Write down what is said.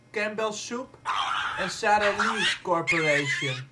Campbell Soup en Sara Lee Corporation